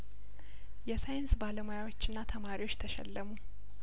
የሳይንስ ባለሙያዎችና ተማሪዎች ተሸለሙ